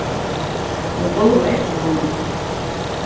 hon gálvaði eftir honum